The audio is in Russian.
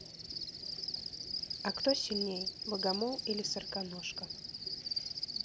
а кто сильнее богомол или сороконожка